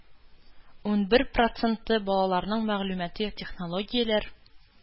Унбер проценты балаларының мәгълүмати технологияләр,